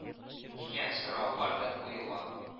Дигән сораулар да куела